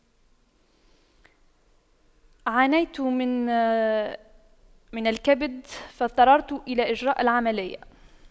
عانيت من من الكبد فاضطررت إلى إجراء العملية